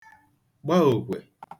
gba òkwè